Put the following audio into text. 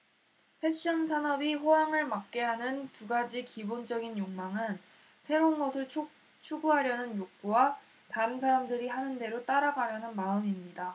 패션 산업이 호황을 맞게 하는 두 가지 기본적인 욕망은 새로운 것을 추구하려는 욕구와 다른 사람들이 하는 대로 따라가려는 마음입니다